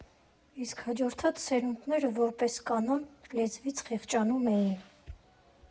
Իսկ հաջորդած սերունդները, որպես կանոն, լեզվից խեղճանում էին։